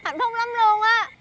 hạnh phúc lắm luôn á